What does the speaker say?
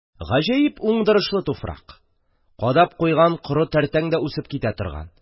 Гаҗәеп уңдырышлы туфрак, кадап куйган коры тәртәң дә үсеп китә торган! Үзе иркен, үзе киң!